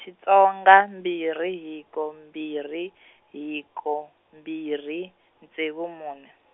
Xitsonga mbirhi hiko mbirhi, hiko, mbirhi, ntsevu mune.